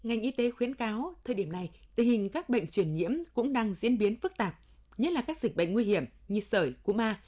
ngành y tế khuyến cáo thời điểm này tình hình các bệnh truyền nhiễm cũng đang diễn biến phức tạp nhất là các dịch bệnh nguy hiểm như sởi cúm a